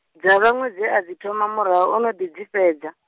dza vhaṅwe dze a dzi thoma murahu ono ḓi dzi fhedza.